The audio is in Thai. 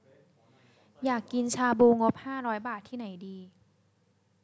อยากกินชาบูงบห้าร้อยบาทที่ไหนดี